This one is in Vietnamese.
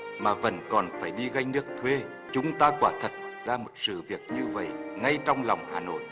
mà vẫn còn phải đi gánh nước thuê chúng ta quả thật ra một sự việc như vậy ngay trong lòng hà nội